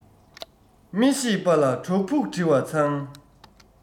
མི ཤེས པ ལ གྲོས ཕུགས འདྲི བ མཚང